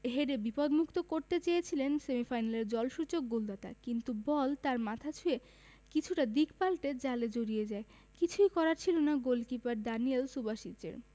হেডে বিপদমুক্ত করতে চেয়েছিলেন সেমিফাইনালের জয়সূচক গোলদাতা কিন্তু বল তার মাথা ছুঁয়ে কিছুটা দিক পাল্টে জালে জড়িয়ে যায় কিছুই করার ছিল না গোলকিপার দানিয়েল সুবাসিচের